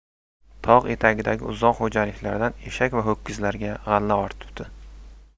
tog' etagidagi uzoq xo'jaliklardan eshak va ho'kizlarga g'alla ortibdi